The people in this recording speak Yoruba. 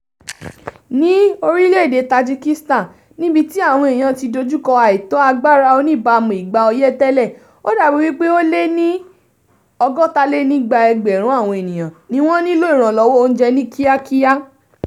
Ní orílẹ̀-èdè Tajikistan, níbi tí àwọn èèyàn tí dojúkọ àìtó agbára oníbamu ìgbà ọyẹ́ tẹ́lẹ̀, ó dàbí wípé ó lé ní 260,000 àwọn ènìyàn ní wọ́n nílò ìrànlọ́wọ́ oúnjẹ ní kíákíá.